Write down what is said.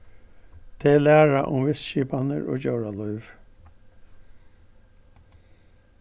tey læra um vistskipanir og djóralív